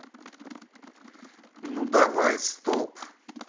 ну давай стоп